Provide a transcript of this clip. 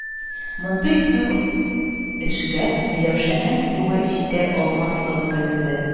Мондый зур эшкә Миләүшәнең суы җитә алмаслыгы беленде